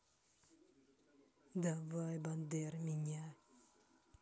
давай бандера меня